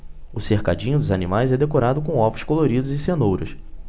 o cercadinho dos animais é decorado com ovos coloridos e cenouras